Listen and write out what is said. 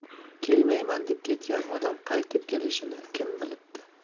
kelmayman deb ketgan odam qaytib kelishini kim bilibdi